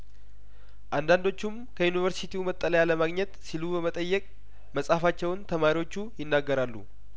አንዳንዶቹም ከዩኒቨርስቲው መጠለያ ለማግኘት ሲሉ በመጠየቅ መጻፋቸውን ተማሪዎቹ ይናገራሉ